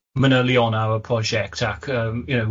manylion ar y prosiect, ac yym, you know